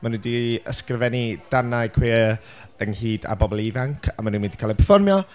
Maen nhw 'di ysgrifennu darnau cwiar ynghyd â bobl ifanc, a maen nhw'n mynd i cael eu perfformio.